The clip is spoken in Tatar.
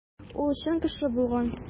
Ул чын кеше булган.